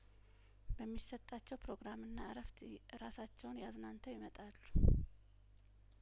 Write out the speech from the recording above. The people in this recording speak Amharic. በሚሰጣቸው ፕሮግራምና እረፍት ይእራሳቸውን አዝናንተው ይመጣሉ